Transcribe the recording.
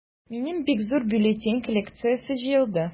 Минем бик зур бюллетень коллекциясе җыелды.